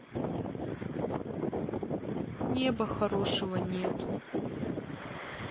небо хорошего нету